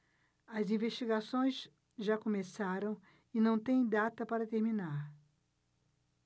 as investigações já começaram e não têm data para terminar